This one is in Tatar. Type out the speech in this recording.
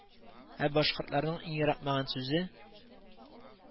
Ә башкортларның иң яратмаган сүзе